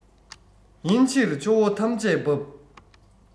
ཡིན ཕྱིར ཆུ བོ ཐམས ཅད འབབ